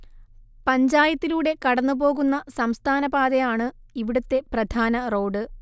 പഞ്ചായത്തിലൂടെ കടന്നുപോകുന്ന സംസ്ഥാനപാത ആണ് ഇവിടുത്തെ പ്രധാന റോഡ്